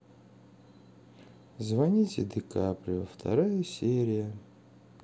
звоните ди каприо вторая серия